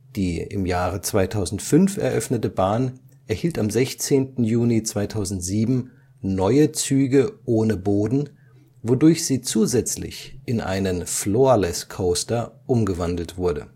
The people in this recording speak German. Die 2005 eröffnete Bahn erhielt am 16. Juni 2007 neue Züge ohne Boden, wodurch sie zusätzlich in einen Floorless Coaster umgewandelt wurde